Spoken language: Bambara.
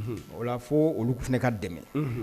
O ola fo olu fana ka dɛmɛ